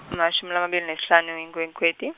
emashumi lamabili nesihlanu iNkhwekhweti.